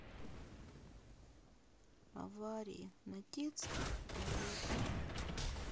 аварии на городских дорогах